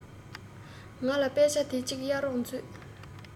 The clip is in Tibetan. ང ལ དཔེ ཆ འདི གཅིག གཡར རོགས མཛོད